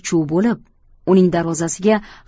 chuv bo'lib uning darvozasiga